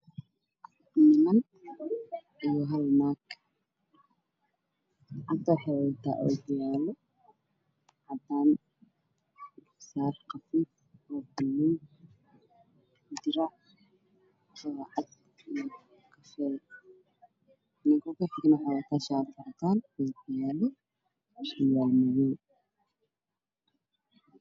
Waxaa ii muuqda shan nin iyo maamo dumar ah mamada dumarkaa ah waxa ay wadataa dhar baati ah nimankan waxay wataan shaarar iyo surwaalo